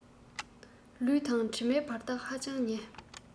ལུས དང གྲིབ མའི བར ཐག ཧ ཅང ཉེ